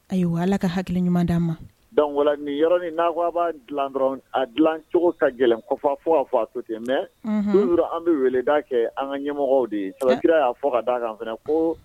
Ayiwa yala ala ka hakili ɲuman d di an ma donwa ni yɔrɔ min nafa b'a dila dɔrɔn a dila cogo ka gɛlɛnfa fo ka fa to ten mɛ an bɛ wele d'a kɛ an ka ɲɛmɔgɔ de ye adi y'a fɔ ka d da kan fana ko